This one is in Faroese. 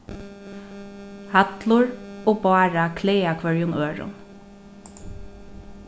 hallur og bára klæða hvørjum øðrum